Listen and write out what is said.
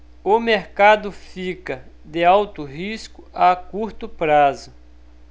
o mercado fica de alto risco a curto prazo